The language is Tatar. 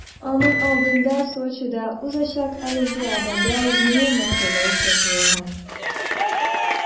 Аның алдына Сочида узачак Олимпиадада җиңү мәсьәләсе куелган.